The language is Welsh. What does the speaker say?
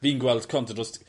...fi'n gweld Contador st-...